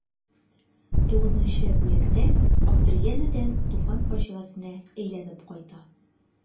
Тугызынчы бүлектә автор янәдән Туфан фаҗигасенә әйләнеп кайта.